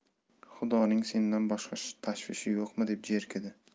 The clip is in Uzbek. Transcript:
xudoning sendan boshqa tashvishi yo'qmi deb jerkidi